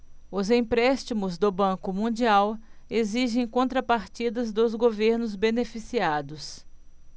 os empréstimos do banco mundial exigem contrapartidas dos governos beneficiados